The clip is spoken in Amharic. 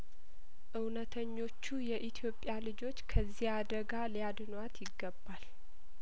እውነተኞቹ የኢትዮጵያ ልጆች ከዚህ አደጋ ሊያድኗት ይገባል